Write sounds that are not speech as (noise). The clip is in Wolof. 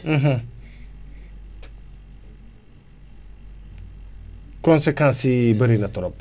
(hesitation) (hesitation) conséquences yi bëri na trop